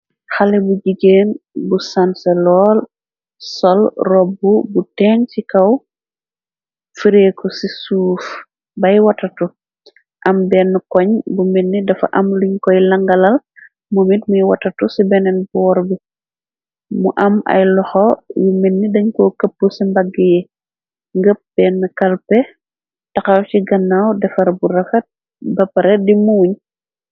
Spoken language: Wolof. Xale bu jigeen bu sanselo. Sol robb bu ten ci kaw fireeku ci suuf bay watatu Am benn koñ bu mitni dafa am luñ koy langalal mu mit. Muy watatu ci beneen boor bi mu am ay loxo yu minni dañ koo këpp ci mbagg yi ngëp. Benn kalpe taxaw ci gannaaw defar bu rafa bapare di muuñ.